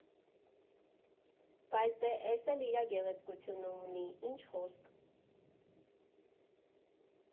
Բայց դե էս էլ իրա գեղեցկությունը ունի, ինչ խոսք»։